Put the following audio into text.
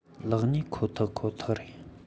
ལེགས ཉེས ཁོ ཐག ཁོ ཐག རེད